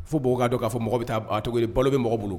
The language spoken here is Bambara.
Fo' k'a k'a fɔ mɔgɔ bɛ taa cogo balo bɛ mɔgɔ bolo